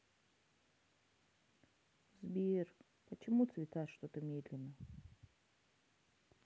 сбер почему цвета что то медленно